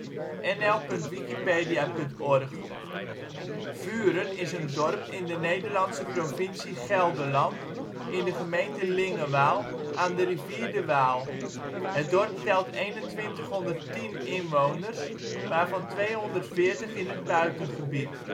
51° 49 ' NB, 5° 3 ' OL Vuren Plaats in Nederland Situering Provincie Gelderland Gemeente Lingewaal Coördinaten 51° 49′ NB, 5° 3′ OL Foto 's Ingang Landschap met zicht op Vuren Fort Vuren Portaal Nederland Beluister (info) Vuren is een dorp in de Nederlandse provincie Gelderland in de gemeente Lingewaal aan de rivier de Waal. Het dorp telt 2.110 inwoners (2006), waarvan 240 in het buitengebied